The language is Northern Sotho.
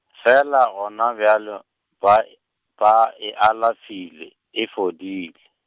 fela gona bjalo ba -e, ba e alafile e fodile.